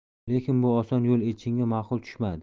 lekin bu oson yo'l elchinga ma'qul tushmadi